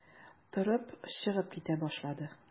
Торып чыгып китә башлады.